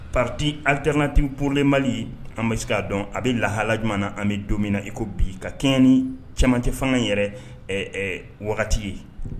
Pati alitrnati porolen mali an bɛ k'a dɔn a bɛ lahala jamana an bɛ don min na i ko bi ka kɛ ni cɛman tɛ fanga yɛrɛ wagati ye